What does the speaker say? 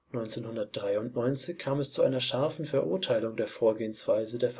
1993 kam es zu einer scharfen Verurteilung der Vorgehensweise